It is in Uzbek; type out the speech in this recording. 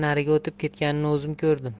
nariga o'tib ketganini o'zim ko'rdim